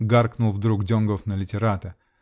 -- гаркнул вдруг Донгоф на литтерата.